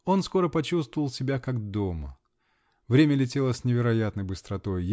Он скоро почувствовал себя как дома: время летело с невероятной быстротой.